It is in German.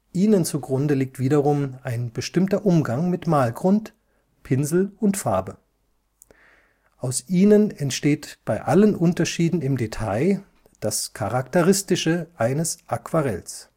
Ihnen zugrunde liegt wiederum ein bestimmter Umgang mit Malgrund, Pinsel und Farbe. Aus ihnen entsteht bei allen Unterschieden im Detail das Charakteristische eines Aquarells